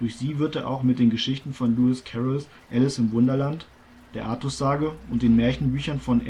sie wird er auch mit den Geschichten von Lewis Carrolls Alice im Wunderland, der Artus-Sage und den Märchenbüchern von